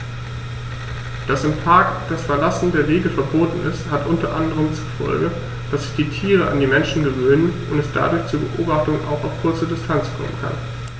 Dass im Park das Verlassen der Wege verboten ist, hat unter anderem zur Folge, dass sich die Tiere an die Menschen gewöhnen und es dadurch zu Beobachtungen auch auf kurze Distanz kommen kann.